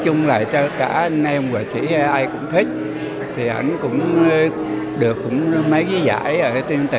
chung là cả anh em họa sĩ ai cũng thích thì anh cũng được cũng mấy cái giải ở trên tỉnh